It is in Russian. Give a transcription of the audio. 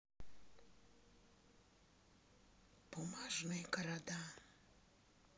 бумажные города